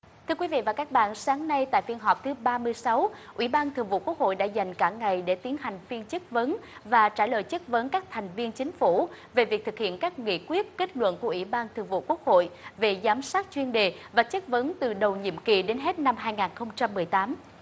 thưa quý vị và các bạn sáng nay tại phiên họp thứ ba mươi sáu ủy ban thường vụ quốc hội đã dành cả ngày để tiến hành phiên chất vấn và trả lời chất vấn các thành viên chính phủ về việc thực hiện các nghị quyết kết luận của ủy ban thường vụ quốc hội về giám sát chuyên đề và chất vấn từ đầu nhiệm kỳ đến hết năm hai ngàn không trăm mười tám